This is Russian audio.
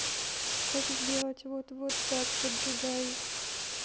как сделать вот вот так поджигай